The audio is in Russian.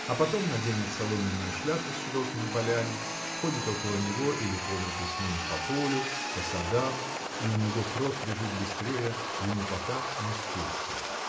А потом наденет соломенную шляпку с широкими полями, ходит около него или под руку с ним по полю, по садам — и у него кровь бежит быстрее, ему пока не скучно.